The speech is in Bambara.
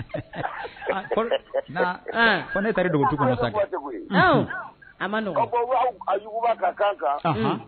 Ne